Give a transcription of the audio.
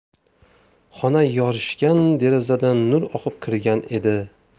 xona yorishgan derazadan nur oqib kirgan edi